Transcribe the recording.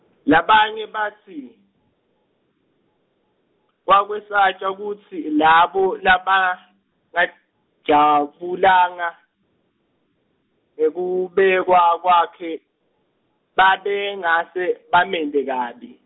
labanye batsi, kwakwesatjwa kutsi labo labangajabulanga, ngekubekwa kwakhe, babengase, bamente kabi.